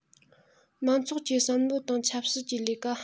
མང ཚོགས ཀྱི བསམ བློ དང ཆབ སྲིད ཀྱི ལས ཀ